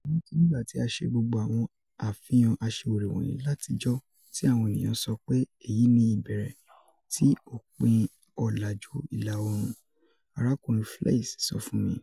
"Mo ranti nigba ti a ṣe gbogbo awọn afihan aṣiwere wọnyi latijọ ti awọn eniyan sọ pe,"Eyi ni ibẹrẹ ti opin ọlaju ila oorun, "" Arakunrin Fleiss sọ fun mi.